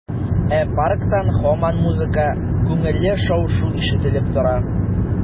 Ә парктан һаман музыка, күңелле шау-шу ишетелеп тора.